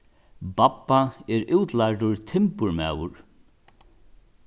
babba er útlærdur timburmaður